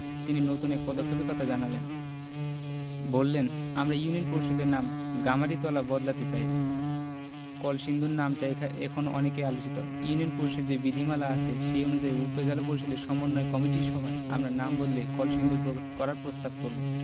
তিনি নতুন এক পদক্ষেপের কথা জানালেন বললেন আমরা ইউনিয়ন পরিষদের নাম গামারিতলা বদলাতে চাই কলসিন্দুর নামটা এখন অনেক আলোচিত ইউনিয়ন পরিষদের যে বিধিমালা আছে সে অনুযায়ী উপজেলা পরিষদের সমন্বয় কমিটির সভায় আমরা নাম বদলে কলসিন্দুর করার প্রস্তাব করব